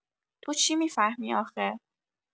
تو چی می‌فهمی آخه؟!